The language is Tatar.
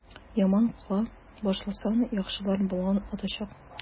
Яман кыла башласаң, яхшылар болгап атачак.